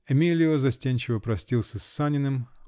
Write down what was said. Эмилио застенчиво простился с Саниным